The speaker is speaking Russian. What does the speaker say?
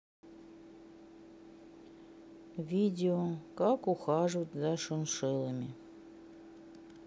видео как ухаживать за шиншиллами